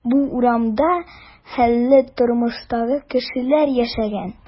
Бу урамда хәлле тормыштагы кешеләр яшәгән.